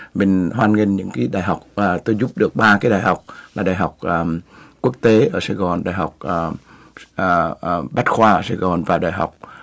mình hoan nghênh những đại học và tôi giúp được ba cái đại học là đại học làm quốc tế ở sài gòn đại học ở ở ở bách khoa sài gòn và đại học